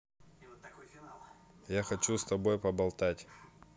я хочу с тобой поболтать